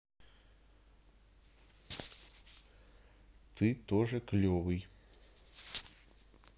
ты тоже клевый